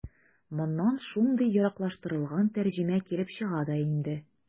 Моннан шундый яраклаштырылган тәрҗемә килеп чыга да инде.